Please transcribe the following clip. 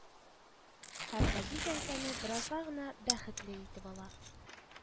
Һәм газиз әнкәне беразга гына бәхетле итеп ала